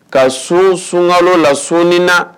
Ka so sunka la soni na